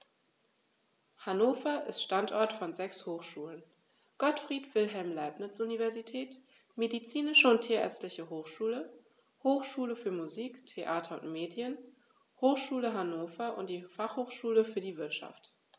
Hannover ist Standort von sechs Hochschulen: Gottfried Wilhelm Leibniz Universität, Medizinische und Tierärztliche Hochschule, Hochschule für Musik, Theater und Medien, Hochschule Hannover und die Fachhochschule für die Wirtschaft.